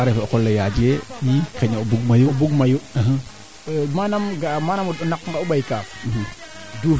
parce que ndak ne sax anaa maado xaanda o ndik sax ndaa mbuuƴ ne moom andi ye au fur et a mesure kaa moƴo ɗekaa rek kaaga moom kaa moƴo yaq waa